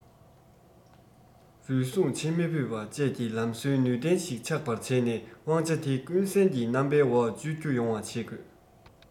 རུལ སུངས བྱེད མི ཕོད པ བཅས ཀྱི ལམ སྲོལ ནུས ལྡན ཞིག ཆགས པར བྱས ནས དབང ཆ དེ ཀུན གསལ གྱི རྣམ པའི འོག སྤྱོད རྒྱུ ཡོང བ བྱེད དགོས